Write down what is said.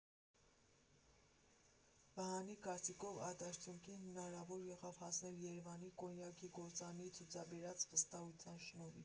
Վահանի կարծիքով այդ արդյունքին հնարավոր եղավ հասնել Երևանի կոնյակի գործարանի ցուցաբերած վստահության շնորհիվ.